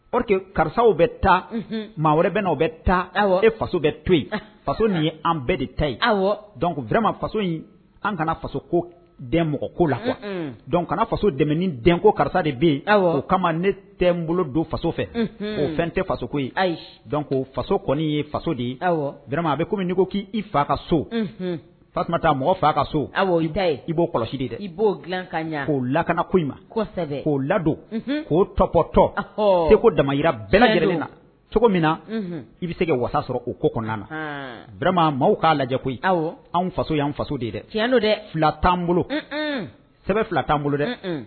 O que karisa bɛ taa mɔgɔ wɛrɛ bɛ n' bɛ taa e faso bɛ to nin ye an bɛɛ de ta ye awma faso in an kana faso ko den mɔgɔ ko la dɔn kana faso dɛmɛ den ko karisa de bɛ yen o kama ne tɛ n bolo don faso fɛ o fɛn tɛ faso ko ye ayi ko faso kɔni ye faso ye aw a bɛ kɔmi k' i fa ka so taa mɔgɔ fa ka so aw i da ye i b'o kɔlɔsi dɛ i b'o k'o lakana ko in ma kosɛbɛ k'o ladon k'o tɔptɔ se ko dama yira bɛ lajɛlen na cogo min na i bɛ se ka wasa sɔrɔ o ko kɔnɔna na dma mɔgɔw k'a lajɛ aw anw faso an faso de dɛ yan'o de fila t'an bolo sɛ fila t bolo dɛ